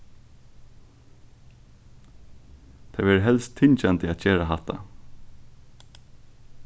tað verður helst tyngjandi at gera hatta